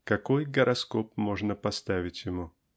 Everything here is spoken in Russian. Какой гороскоп можно поставить ему?